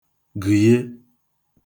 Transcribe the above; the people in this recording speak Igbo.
gəye